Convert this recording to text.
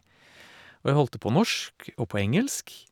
Og jeg har holdt det på norsk og på engelsk.